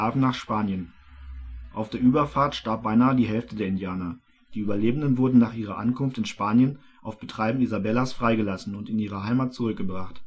nach Spanien. Auf der Überfahrt starb beinahe die Hälfte der Indianer, die Überlebenden wurden nach ihrer Ankunft in Spanien auf Betreiben Isabellas freigelassen und in ihre Heimat zurückgebracht